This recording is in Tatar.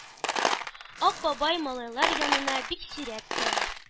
Ак бабай малайлар янына бик сирәк керә.